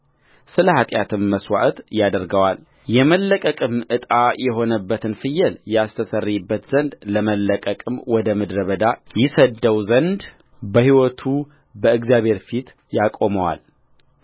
ስለ ኃጢአትም መሥዋዕት ያደርገዋልየመለቀቅም ዕጣ የሆነበትን ፍየል ያስተሰርይበት ዘንድ ለመለቀቅም ወደ ምድረ በዳ ይሰድደው ዘንድ በሕይወቱ በእግዚአብሔር ፊት ያቆመዋል